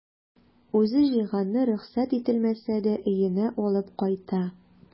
Үзе җыйганны рөхсәт ителмәсә дә өенә алып кайта.